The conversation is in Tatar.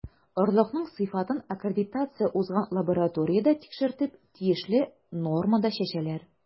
Орлыкның сыйфатын аккредитация узган лабораториядә тикшертеп, тиешле нормада чәчәләр.